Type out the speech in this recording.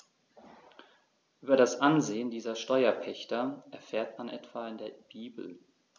Über das Ansehen dieser Steuerpächter erfährt man etwa in der Bibel.